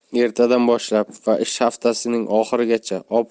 ertadan boshlab va ish haftasining oxirigacha ob